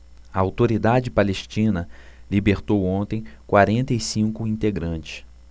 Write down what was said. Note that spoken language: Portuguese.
a autoridade palestina libertou ontem quarenta e cinco integrantes